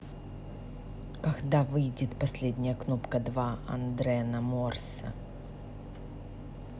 когда выйдет последняя кнопка два андрена морса